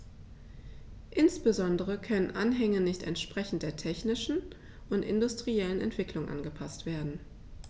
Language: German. Insbesondere können Anhänge nicht entsprechend der technischen und industriellen Entwicklung angepaßt werden.